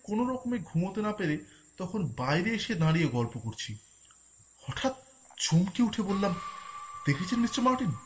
কোনরকমে ঘুমোতে না পেরে তখন বাইরে এসে দাড়িয়ে গল্প করছি চমকে উঠলাম দেখেছেন মিস্টার মারটিন